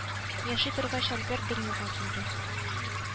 Яши торгач альберт дөньяга килде